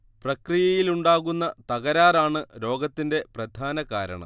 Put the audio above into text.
പ്രക്രിയയിലുണ്ടാകുന്ന തകരാർ ആണ് രോഗത്തിന്റെ പ്രധാനകാരണം